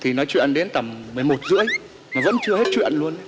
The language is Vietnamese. thì nói chuyện đến tầm mười một rưỡi mà vẫn chưa hết chuyện luôn